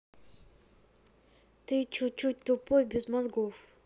ты чуть чуть тупой без мозгов